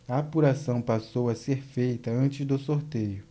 a apuração passou a ser feita antes do sorteio